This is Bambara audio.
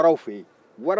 ko waraw fɛ yen